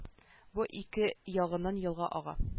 Бу ике ягыннан елга ага